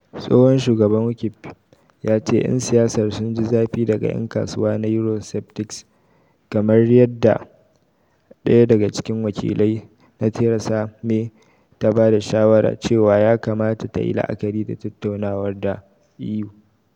Tsohon shugaban Ukip ya ce 'yan siyasar sun' ji zafi 'daga' yan kasuwa na Eurosceptics - kamar yadda daya daga cikin wakilai na Theresa May ta ba da shawara cewa ya kamata tayi la'akari da tattaunawar da EU.